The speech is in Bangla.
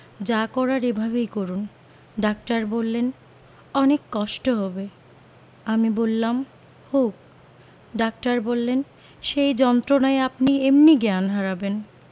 যা করার এভাবেই করুন ডাক্টার বললেন অনেক কষ্ট হবে আমি বললাম হোক ডাক্টার বললেন সেই যন্ত্রণায় আপনি এমনি জ্ঞান হারাবেন